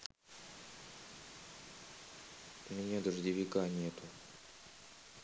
у меня дождевика нету